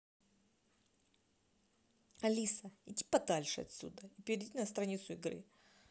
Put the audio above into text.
алиса иди подальше отсюда и перейди на страницу игры